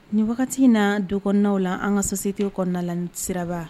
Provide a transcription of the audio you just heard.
Nin wagati in na don kɔnɔnaw la an ka sosite kɔnɔna la siraba